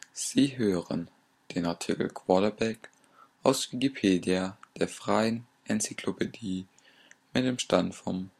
Sie hören den Artikel Quarterback, aus Wikipedia, der freien Enzyklopädie. Mit dem Stand vom